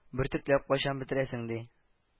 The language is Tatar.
Бөртекләп кайчан бетерәсең, – ди